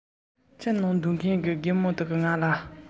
ཁྱིམ གྱི རྒན མོས ང ལ